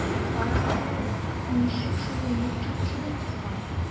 Кара әле, ничек чыжлый, мунча ташыдай кызган!